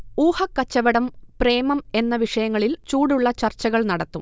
ഊഹക്കച്ചവടം, പ്രേമം എന്ന വിഷയങ്ങളിൽ ചൂടുള്ള ചർച്ചകൾ നടത്തും